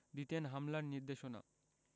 দিতেন হামলার নির্দেশনা